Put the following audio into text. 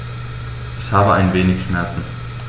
Ich habe ein wenig Schmerzen.